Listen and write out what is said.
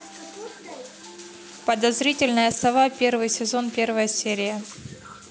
подозрительная сова первый сезон первая серия